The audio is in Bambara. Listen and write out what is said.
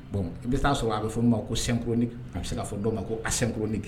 Bon i bɛ taa'a sɔrɔ a bɛ fɔ ma kokkolon a bɛ se k'a fɔ dɔn ma ko akkolonin kelen